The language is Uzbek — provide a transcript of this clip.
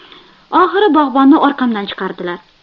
oxiri bog'bonni orqamdan chiqardilar